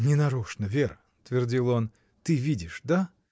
— Не нарочно, Вера, — твердил он, — ты видишь, да?